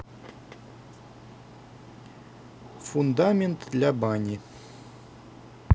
фундамент для бани